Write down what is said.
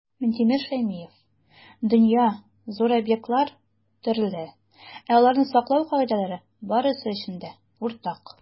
Минтимер Шәймиев: "Дөнья - зур, объектлар - төрле, ә аларны саклау кагыйдәләре - барысы өчен дә уртак".